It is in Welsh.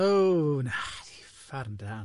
O, na' 'di, uffarn dân.